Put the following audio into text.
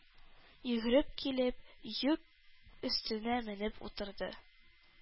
Йөгереп килеп, йөк өстенә менеп утырды.